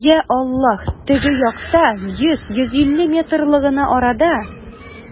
Йа Аллаһ, теге якта, йөз, йөз илле метрлы гына арада!